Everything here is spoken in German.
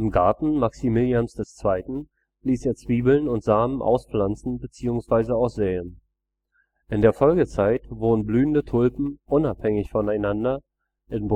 Garten Maximilians II. ließ er Zwiebeln und Samen auspflanzen bzw. aussäen. In der Folgezeit wurden blühende Tulpen unabhängig voneinander in